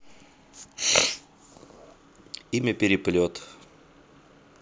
имя переплет